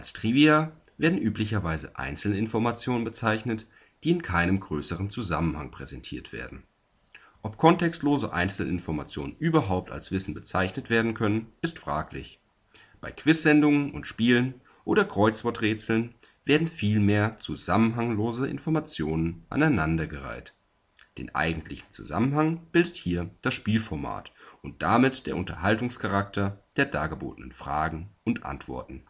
Trivia werden üblicherweise Einzelinformationen bezeichnet, die in keinem größeren Zusammenhang präsentiert werden. Ob kontextlose Einzelinformationen überhaupt als Wissen bezeichnet werden können, ist fraglich. Bei Quizsendungen und - spielen oder Kreuzworträtseln werden vielmehr zusammenhanglose Informationen aneinandergereiht. Den eigentlichen Zusammenhang bildet hier das Spielformat und damit der Unterhaltungscharakter der dargebotenen Fragen und Antworten